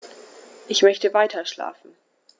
Ich möchte weiterschlafen.